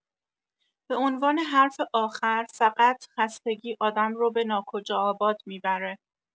به عنوان حرف آخر، فقط خستگی آدم رو به ناکجا آباد می‌بره.